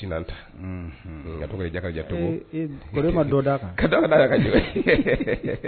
Tenante Unhun. A tɔgɔ ye Jakarija Togo. Ee kori e ma dɔ da kan? Ka dɔ da kan